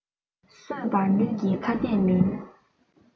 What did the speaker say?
གསོད པར ནུས ཀྱི ཁྭ ཏས མིན